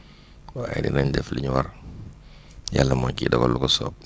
waaye dinañ def li ñu war yàlla mooy ciy dogal lu ko soob